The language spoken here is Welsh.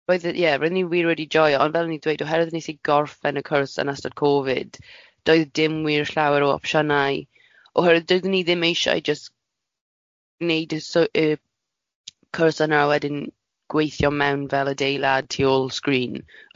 Roedden yeah roedden ni wir wedi joio, fel oeddwn i'n deud oherwydd nes i gorffen y cwrs yn ystod Covid doedd dim wir llawer o opsiynau oherwydd doedden ni ddim eisiau jyst wneud y so- yy cwrs yna a wedyn gweithio mewn fel adeilad tu ôl sgrin.